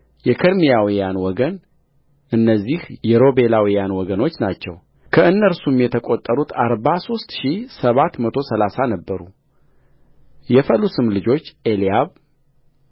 የከርማውያን ወገንእነዚህ የሮቤላውያን ወገኖች ናቸው ከእነርሱም የተቈጠሩት አርባ ሦስት ሺህ ሰባት መቶ ሠላሳ ነበሩየፈሉስም ልጆች ኤልያብ